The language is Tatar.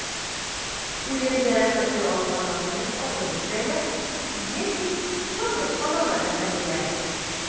Үлем җәрәхәте алган атны атып үтерәләр яки чалып калалар, әфәнделәрем.